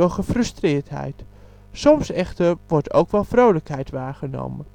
gefrustreerdheid. Soms echter wordt ook wel vrolijkheid waargenomen